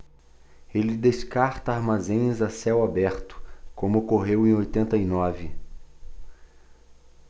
ele descarta armazéns a céu aberto como ocorreu em oitenta e nove